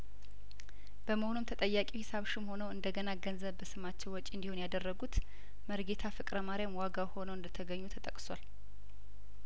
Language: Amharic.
በመሆኑም ተጠያቂው ሂሳብ ሹም ሆነው እንደገና ገንዘቡን በስማቸው ወጪ እንዲሆን ያደረጉት መሪጌታ ፍቅረ ማርያም ዋጋው ሆነው እንደተገኙ ተጠቅሷል